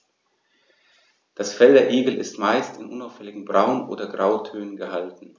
Das Fell der Igel ist meist in unauffälligen Braun- oder Grautönen gehalten.